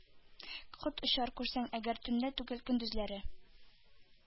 Кот очар, күрсәң әгәр, төнлә түгел — көндезләре.